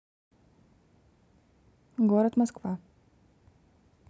город москва